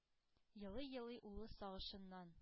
Елый-елый улы сагышыннан